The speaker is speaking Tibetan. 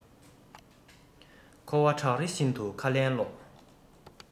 འཁོར བ བྲག རི བཞིན དུ ཁ ལན སློག